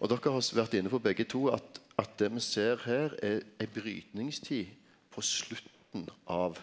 og dokker har vore inne på begge to at at det me ser her er ei brytningstid på slutten av